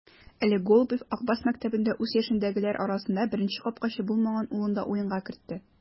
Әле Голубев "Ак Барс" мәктәбендә үз яшендәгеләр арасында беренче капкачы булмаган улын да уенга кертте.